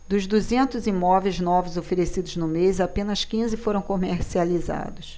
dos duzentos imóveis novos oferecidos no mês apenas quinze foram comercializados